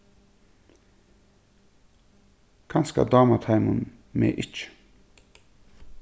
kanska dámar teimum meg ikki